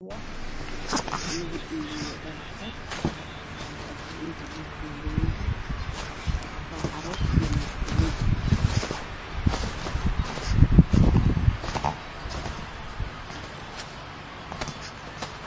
Waa goob lagu iibiyo dharka saakooyinka iwm